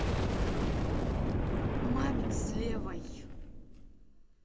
мамикс левой